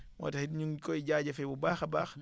moo tax it ñu ngi koy jaajëfee bu baax a baax